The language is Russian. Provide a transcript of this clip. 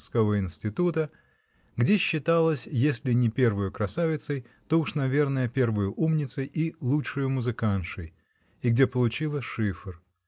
ского института, где считалась если не первою красавицей, то уж наверное первою умницей и лучшею музыкантшей и где получила шифр